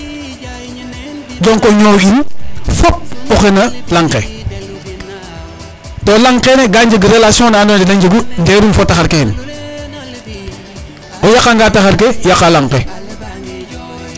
Donc o ñoow in fop oxey no lanq ke to lanq kene ga njeg relation na andoona yee den a njegu ndeerum fo taxar kene o yaqanga taxar ke yaqa lanq ke .